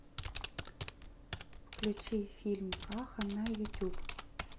включи фильм каха на ютуб